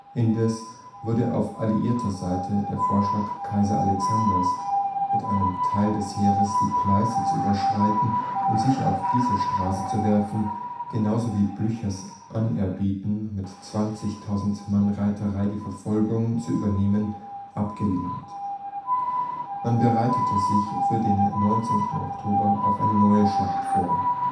Indes wurde auf alliierter Seite der Vorschlag Kaiser Alexanders, mit einem Teil des Heeres die Pleiße zu überschreiten und sich auf diese Straße zu werfen, genauso wie Blüchers Anerbieten, mit 20.000 Mann Reiterei die Verfolgung zu übernehmen, abgelehnt. Man bereitete sich für den 19. Oktober auf eine neue Schlacht vor